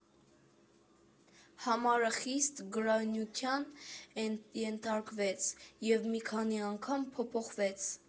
Համարը խիստ գրաքննության ենթարկվեց և մի քանի անգամ փոփոխվեց։